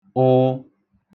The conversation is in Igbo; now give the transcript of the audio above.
ụ